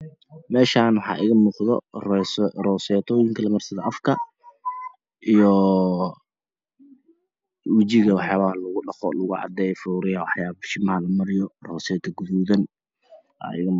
Meeshan waxaa iga muuqdo roosetoyinka lamarsado afka iyo wajiga waxyabaha lagu dhaqo lagu cadeeyo faruuraha iyo waxayabaha bishimaha lamariyo rooseto gaduudan aa iiga muuqdo